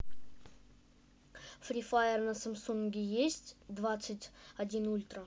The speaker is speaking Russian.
free fire на самсунге есть двадцать один ультра